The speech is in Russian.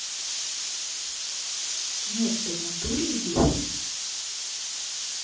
нет в натуре идиот